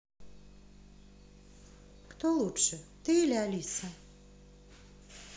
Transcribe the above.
кто лучше ты или алиса